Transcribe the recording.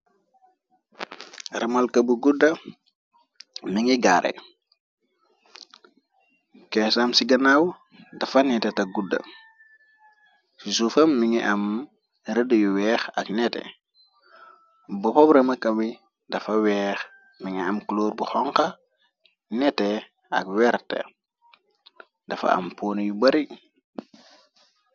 Ramalka bu gudda mi ngi gaare, kesam ci ganaaw dafa nete ta gudda, ci suufam mi ngi am rëdd yu weex ak nete, boppa ramalka bi dafa weex, mi nga am kuloor bu xonxa, nete, ak werte, dafa am poone yu bari.